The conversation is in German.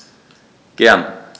Gern.